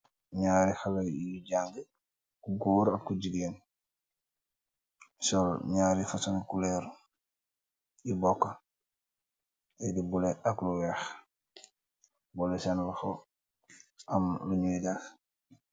Nyari haleh yuyee jaage, goor ak ku jegain sol nyari fusung coloor yu boka bluelo ak lu weeh boleh sen loho am lunuy def.